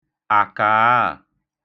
àkàaà